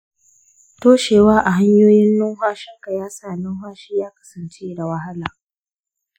toshewa a hanyoyin numfashinka ya sa numfashi ya kasance da wahala.